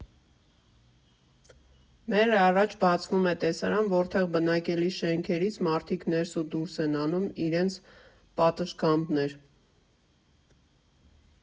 Մեր առաջ բացվում է տեսարան, որտեղ բնակելի շենքերից մարդիկ ներս ու դուրս են անում իրենց պատշգամբներ։